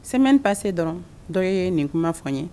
Sɛmɛ pase dɔrɔn dɔw ye nin kuma fɔ n ye